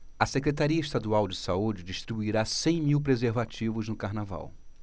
a secretaria estadual de saúde distribuirá cem mil preservativos no carnaval